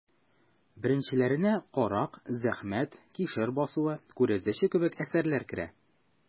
Беренчеләренә «Карак», «Зәхмәт», «Кишер басуы», «Күрәзәче» кебек әсәрләр керә.